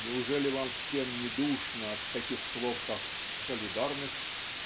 Неужели вам всем не душно от таких слов как солидарность